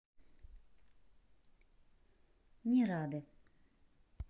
не рады